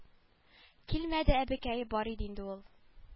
Килмәде әбекәй бар иде инде ул